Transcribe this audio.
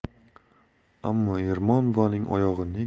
ammo ermon buvaning oyog'i